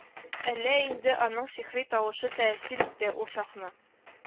Әллә инде аның сихри тавышы тәэсир итте, ул чакны